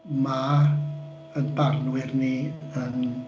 Ma' ein barnwyr ni yn...